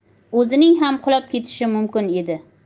o'zining ham qulab ketishi mumkin edi